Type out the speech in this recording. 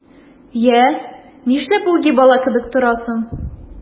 Йә, нишләп үги бала кебек торасың?